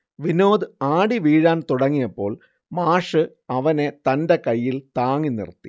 വിനോദ് ആടി വീഴാൻ തുടങ്ങിയപ്പോൾ മാഷ് അവനെ തന്റെ കയ്യിൽ താങ്ങി നിർത്തി